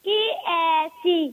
Qui est qui?